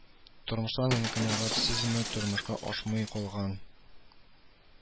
Тормыштан канәгатьсезме, тормышка ашмый калган